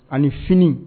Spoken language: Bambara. Ani finin